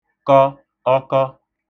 kọ ọkọ